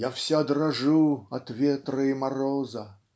Я вся дрожу от ветра и мороза",